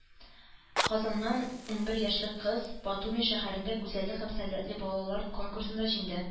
Казаннан ун бер яшьлек кыз Батуми шәһәрендә гүзәллек һәм сәләтләр балалар конкурсында җиңде